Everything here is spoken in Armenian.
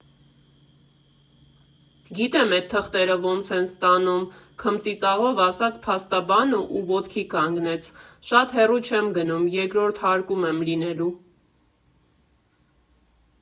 Գիտեմ էդ թղթերը ոնց են ստանում, ֊ քմծիծաղով ասաց փաստաբանը և ոտքի կանգնեց, ֊ շատ հեռու չեմ գնում, երկրորդ հարկում եմ լինելու։